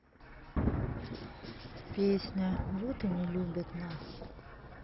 песня вот и не любит нас